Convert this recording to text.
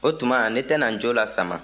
o tuma ne tɛna n jo lasama